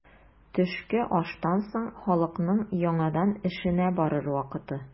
Төшке аштан соң халыкның яңадан эшенә барыр вакыты.